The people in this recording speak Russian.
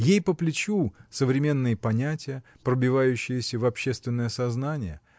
Ей по плечу современные понятия, пробивающиеся в общественное сознание